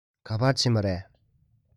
ག པར ཕྱིན པ རེད